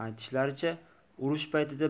aytishlaricha urush paytida